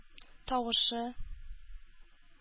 Тавышы